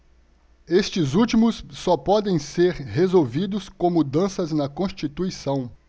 estes últimos só podem ser resolvidos com mudanças na constituição